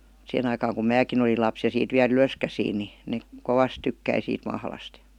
siihen aikaan kun minäkin olin lapsi ja siitä vielä ylöskäsin niin ne kovasti tykkäsi siitä mahlasta ja